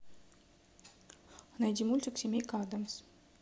найди мультик семейка адамс